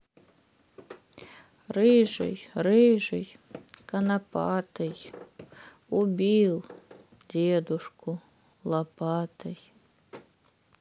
рыжий рыжий конопатый убил дедушку лопатой